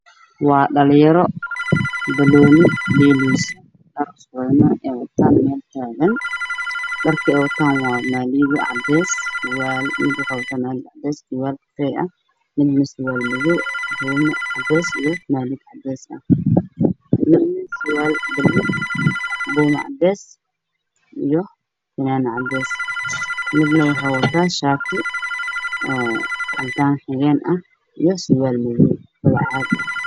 Waa dhalin yaro banooni dheleyso waxey wataan maaliyado gaduud, cadaan ah